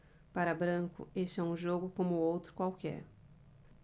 para branco este é um jogo como outro qualquer